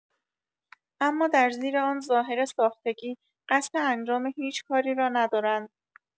اما در زیر آن ظاهر ساختگی، قصد انجام هیچ کاری را ندارند.